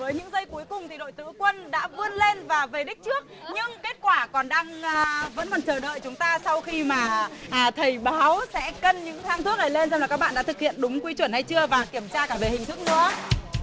với những giây cuối cùng thì đội tứ quân đã vươn lên và về đích trước nhưng kết quả còn đang a vẫn còn chờ đợi chúng ta sau khi mà hà thì thầy báo sẽ cân những thang thuốc này lên xem là các bạn đã thực hiện đúng quy chuẩn hay chưa và kiểm tra cả về hình thức nữa